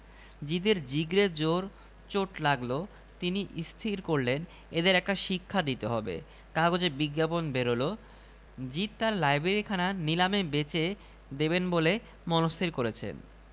Paris খবর শুনে প্রথমটায় মুর্ছা গেল কিন্তু সম্বিত ফেরা মাত্রই মুক্তকচ্ছ হয়ে ছুটল নিলাম খানার দিকে